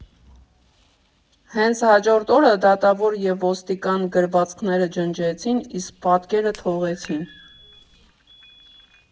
Հենց հաջորդ օրը դատավոր և ոստիկան գրվածքները ջնջեցին, իսկ պատկերը թողեցին։